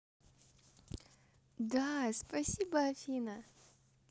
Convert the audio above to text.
да спасибо афина